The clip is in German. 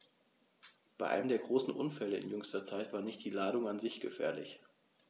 Bei einem der großen Unfälle in jüngster Zeit war nicht die Ladung an sich gefährlich.